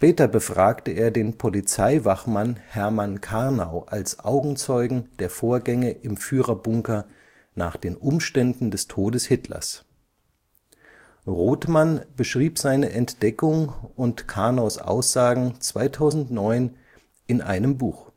Später befragte er den Polizeiwachmann Hermann Karnau als Augenzeugen der Vorgänge im Führerbunker nach den Umständen des Todes Hitlers. Rothman beschrieb seine Entdeckung und Karnaus Aussagen 2009 in einem Buch